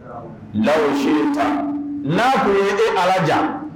Dawu seeta n'a kun ye e Ala diya